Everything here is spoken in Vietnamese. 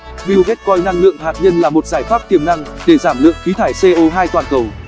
bill gates coi năng lượng hạt nhân là một giải pháp tiềm năng để giảm lượng khí thải co toàn cầu